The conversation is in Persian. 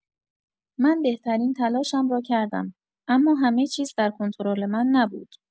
من بهترین تلاشم را کردم، اما همه‌چیز در کنترل من نبود.